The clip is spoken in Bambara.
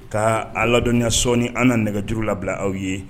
Kaa a' ladɔniya sɔɔni an na nɛgɛjuru labila aw ye